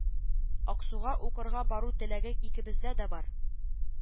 Аксуга укырга бару теләге икебездә дә бар